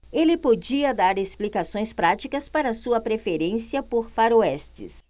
ele podia dar explicações práticas para sua preferência por faroestes